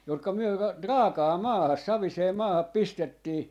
jotka me - raakaan maahan saviseen maahan pistettiin